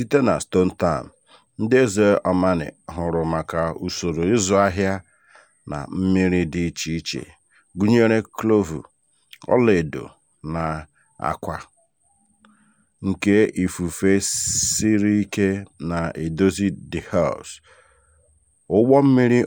Ndị na-eto eto nke Zanzibar ghọtara mkpa ọ dị ijikọta oge gara aga iji chọpụta ọdịnihu ha na egwu e mepụtara tata na-egosipụta ọchịchọ ahụ iji jikọta